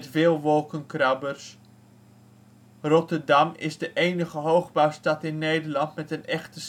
veel wolkenkrabbers. Rotterdam is de enige hoogbouwstad in Nederland met een echte